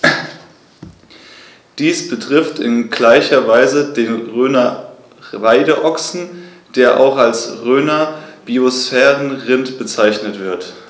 Dies betrifft in gleicher Weise den Rhöner Weideochsen, der auch als Rhöner Biosphärenrind bezeichnet wird.